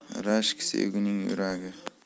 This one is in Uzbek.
rashk sevgining yuragi